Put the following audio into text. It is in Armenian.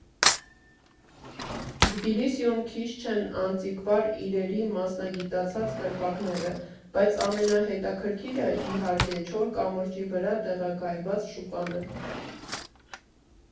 Թբիլիսիում քիչ չեն անտիկվար իրերի մասնագիտացած կրպակները, բայց ամենահետաքրքիրը, իհարկե, Չոր կամրջի վրա տեղակայված շուկան է։